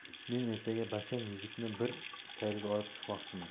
men ertaga bashang yigitni bir sayrga olib chiqmoqchiman